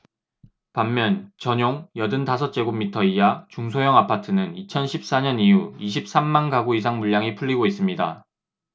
반면 전용 여든 다섯 제곱미터 이하 중소형 아파트는 이천 십 사 년 이후 이십 삼 만 가구 이상 물량이 풀리고 있습니다